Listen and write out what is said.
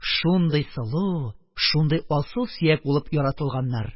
Шундый... сылу, шундый асыл сөяк булып яратылганнар.